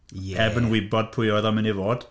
ie... heb yn wybod pwy oedd o'n mynd i fod.